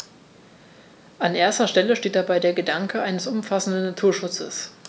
An erster Stelle steht dabei der Gedanke eines umfassenden Naturschutzes.